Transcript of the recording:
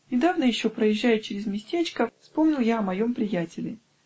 Недавно еще, проезжая через местечко ***, вспомнил я о моем приятеле